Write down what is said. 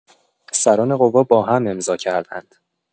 سران قوا با هم امضا کردند.